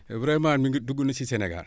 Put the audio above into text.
vraiment mi ngi dugg na si Sénégal